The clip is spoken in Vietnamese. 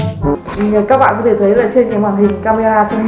các bạn có thể thấy trên màn hình camera trong miệng